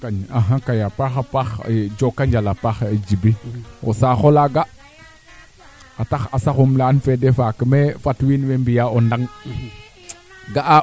axa kay a soxle a a paax a soxle a a paax jokalante o nana nga te inoox noke ga'ma ten refu ye pour xoxox we